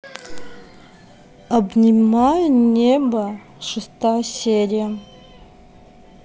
обнимая небо шестая серия